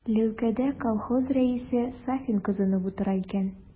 Ләүкәдә колхоз рәисе Сафин кызынып утыра икән.